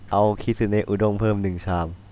เอาคิสึเนะอุด้งเพิ่มหนึ่งชาม